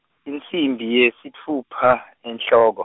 insimbi yesitfupha, enhloko.